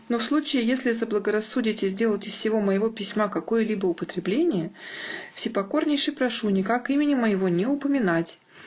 Но в случае, если заблагорассудите сделать из сего моего письма какое-либо употребление, всепокорнейше прошу никак имени моего не упоминать